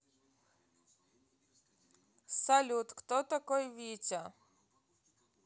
салют кто такой витя